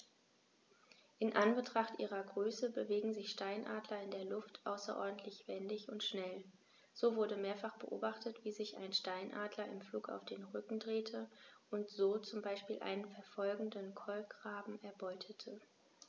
In Anbetracht ihrer Größe bewegen sich Steinadler in der Luft außerordentlich wendig und schnell, so wurde mehrfach beobachtet, wie sich ein Steinadler im Flug auf den Rücken drehte und so zum Beispiel einen verfolgenden Kolkraben erbeutete.